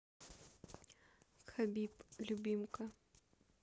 khabib любимка